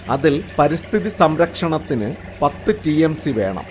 അതിൽ പരിസ്ഥിതിസംരക്ഷണത്തിന് പത്ത് ടി എം സി വേണം